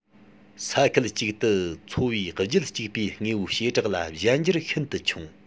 ས ཁུལ གཅིག ཏུ འཚོ བའི རྒྱུད གཅིག པའི དངོས པོའི བྱེ བྲག ལ གཞན འགྱུར ཤིན ཏུ ཆུང